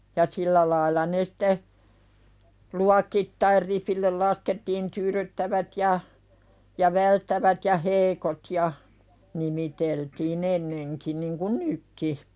ja sillä lailla ne sitten luokittain ripille laskettiin tyydyttävät ja ja välttävät ja heikot ja nimiteltiin ennenkin niin kuin nytkin